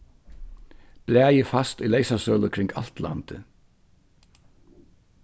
blaðið fæst í leysasølu kring alt landið